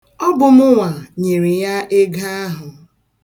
Ọ bụ mụnwa nyere ya ego ahụ.